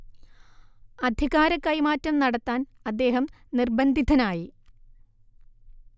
അധികാര കൈമാറ്റം നടത്താൻ അദ്ദേഹം നിർബന്ധിതനായി